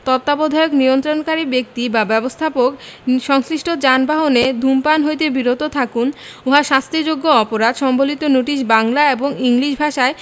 তত্ত্বাবধায়ক নিয়ন্ত্রণকারী ব্যক্তি বা ব্যবস্থাপক সংশ্লিষ্ট যানবাহনে ধূমপান হইতে বিরত থাকুন উহা শাস্তিযোগ্য অপরাধ সম্বলিত নোটিশ বাংলা এবং ইংরেজী ভাষায়